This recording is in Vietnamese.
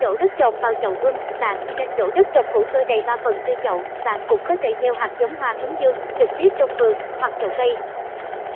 khi đổ đất trồng vào chậu ươm bạn nên đổ đất trồng hữu cơ đầy chậu bạn cũng có thể gieo hạt giống hoa hướng dương trực tiếp trong vườn hoặc chậu cây